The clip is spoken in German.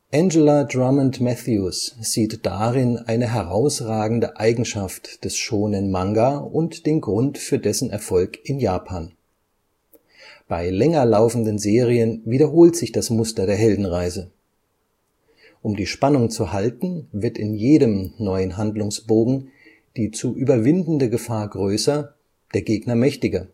Angela Drummond-Mathews sieht darin eine herausragende Eigenschaft des Shōnen-Manga und den Grund für dessen Erfolg in Japan. Bei länger laufenden Serien wiederholt sich das Muster der Heldenreise. Um die Spannung zu halten, wird in jedem neuen Handlungsbogen die zu überwindende Gefahr größer, der Gegner mächtiger